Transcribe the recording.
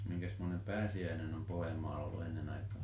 minkäsmoinen pääsiäinen on Pohjanmaalla ollut ennen aikaan